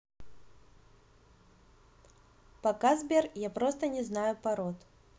пока сбер я просто не знаю пород